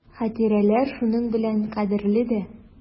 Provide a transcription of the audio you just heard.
Хатирәләр шуның белән кадерле дә.